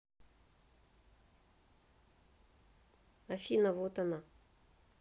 афина вот она